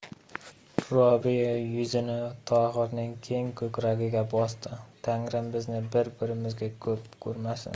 robiya yuzini tohirning keng ko'kragiga bosdi tangrim bizni bir birimizga ko'p ko'rmasin